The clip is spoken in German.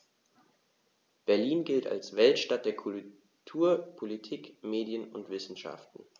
Berlin gilt als Weltstadt der Kultur, Politik, Medien und Wissenschaften.